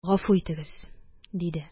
Гафу итегез! – диде.